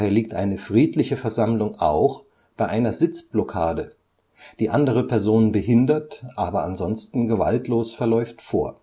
liegt eine friedliche Versammlung auch bei einer Sitzblockade, die andere Personen behindert aber ansonsten gewaltlos verläuft, vor